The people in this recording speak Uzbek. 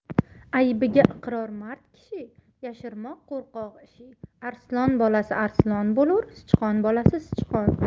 aybiga iqror mard kishi yashirmoq qo'rqoq ishi arslon bolasi arslon bo'lur sichqon bolasi sichqon